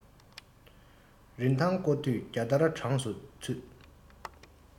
རིན ཐང སྐོར དུས བརྒྱ སྟར གྲངས སུ ཚུད